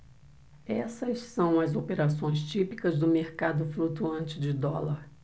essas são as operações típicas do mercado flutuante de dólar